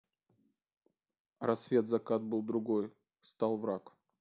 рассвет закат был друг стал враг